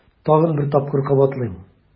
Тагын бер тапкыр кабатлыйм: